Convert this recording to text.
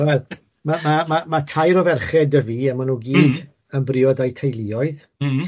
Wel ma' ma' ma' ma' tair o ferched da fi a ma' nhw gyd yn briod a'uu teuluoedd... M-hm.